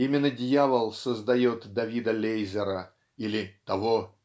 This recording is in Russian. именно дьявол создает Давида Лейзера или того